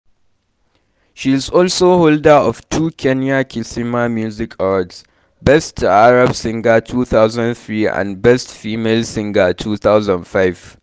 She is also holder of two Kenya Kisima Music Awards: Best Taraab Singer 2003 and Best Female Singer 2005.